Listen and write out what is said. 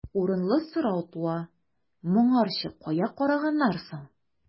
Урынлы сорау туа: моңарчы кая караганнар соң?